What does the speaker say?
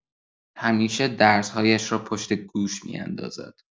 همیشه درس‌هایش را پشت گوش می‌اندازد.